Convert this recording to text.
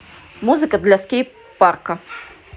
музыка для скейт парка